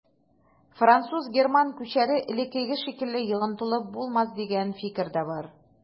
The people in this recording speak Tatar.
Француз-герман күчәре элеккеге шикелле йогынтылы булмас дигән фикер дә бар.